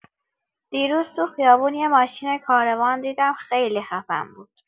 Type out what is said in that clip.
دیروز تو خیابون یه ماشین کاروان دیدم خیلی خفن بود!